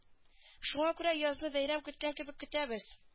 Шуңа күрә язны бәйрәм көткән кебек көтәбез